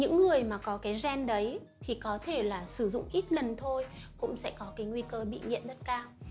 thì những người có gen ấy có thể sử dụng ít lần thôi cũng có nguy cơ bị nghiện rất cao